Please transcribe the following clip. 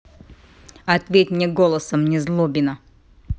ответь мне голосом незлобина